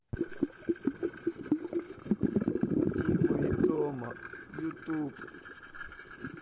тима и тома ютуб